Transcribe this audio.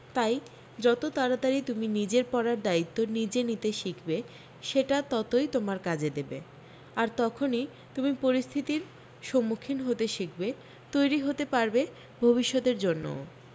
তাই যত তাড়াতাড়ি তুমি নিজের পড়ার দায়িত্ব নিজে নিতে শিখবে সেটা ততই তোমার কাজে দেবে আর তখনই তুমি পরিস্থিতির সম্মুখীন হতে শিখবে তৈরী হতে পারবে ভবিষ্যতের জন্যও